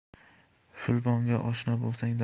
filbonga oshna bo'lsang